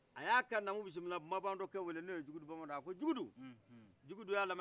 ay'a ka namu bisimila banbadɔ kɛ wele n' oye jugudu banbadɔ ye a ko jugudu jugudu y' a laminɛ